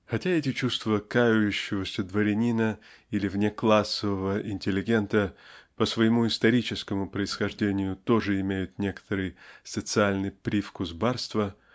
Хотя эти чувства "кающегося дворянина" или "внеклассового интеллигента" по своему историческому происхождению тоже имеют некоторый социальный привкус барства